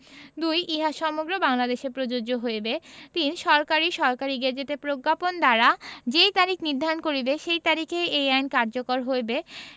২ ইহা সমগ্র বাংলাদেশে প্রযোজ্য হইবে ৩ সরকার সরকারী গেজেটে প্রজ্ঞাপন দ্বারা যেই তারিখ নির্ধারণ করিবে সেই তারিখে এই আইন কার্যকর হইবে